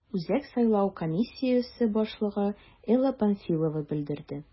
Үзәк сайлау комиссиясе башлыгы Элла Памфилова белдерде: